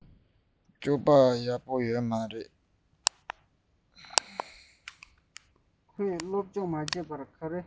སྤྱོད པ ཡག པོ ཞེ དྲགས ཡོད མ རེད